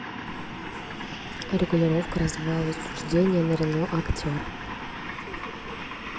регулировка развала суждения на рено актер